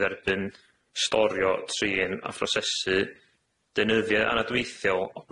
dderbyn storio, trin a phrosesu deunyddia anadweithiol o